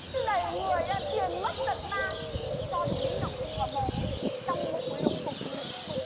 chứ đầy người á tiền mất tật mang cho được miếng đậu phụ vào mồm ý thì trong bụng lục cục một cục